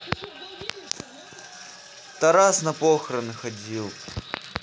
taraz на похороны ходил